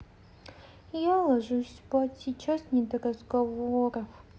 я ложусь спать сейчас не до разговоров